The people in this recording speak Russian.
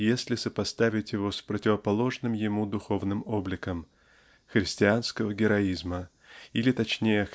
если сопоставить его с противоположным ему духовным обликом -- христианского героизма или точнее